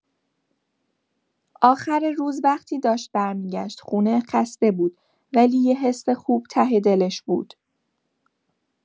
آخر روز، وقتی داشت برمی‌گشت خونه، خسته بود، ولی یه حس خوب ته دلش بود.